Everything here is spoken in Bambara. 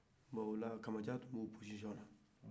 bɔn o la kamadjan tun bɛ o poziɲɔn na